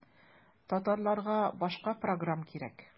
Татарларга башка программ кирәк.